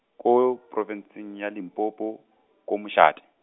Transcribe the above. ko profenseng ya Limpopo , ko Mošate.